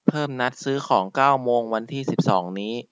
เพิ่มนัดซื้อของเก้าโมงวันที่สิบสองนี้